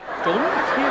chốn